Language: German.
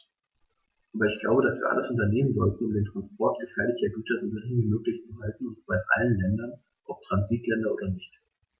Aber ich glaube, dass wir alles unternehmen sollten, um den Transport gefährlicher Güter so gering wie möglich zu halten, und zwar in allen Ländern, ob Transitländer oder nicht.